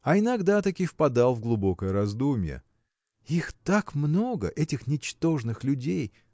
А иногда таки впадал в глубокое раздумье. Их так много этих ничтожных людей